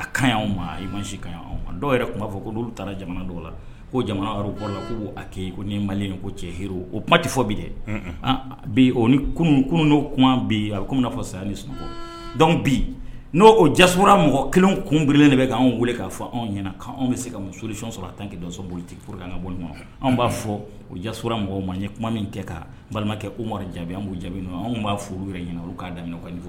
A ka ka dɔw yɛrɛ tun b'a fɔ ko olu taara jamana dɔw la ko jamana la k ma ko cɛ h o kuma tɛ fɔ bi dɛ bi o kuma bi a kɔmi na fɔ saya ni sunɔgɔ dɔn bi n'o o jasora mɔgɔ kelen kun bblen de bɛ' anw weele k'a fɔ anw ɲɛna' anw bɛ se ka musoy sɔrɔ a tan ke dɔso boli tigɛ furukan ka bɔ ma anw b'a fɔ o jara mɔgɔ ma ye kuma min kɛ ka balimakɛ o ma jaabi an b'u jaabi anw b'a furu yɛrɛ ɲɛna u k'a daminɛ ka